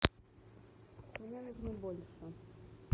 мне нужно больше